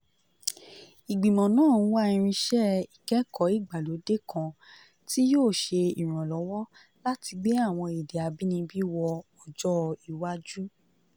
Ìgbìmọ̀ náà ń wá irinṣẹ́ ìkẹ́kọ̀ọ́ ìgbàlódé kan tí yóò ṣe ìrànlọ́wọ́ láti gbé àwọn èdè abínibí wọ ọjọ́ iwájú.